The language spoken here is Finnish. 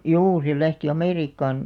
juu se lähti Amerikkaan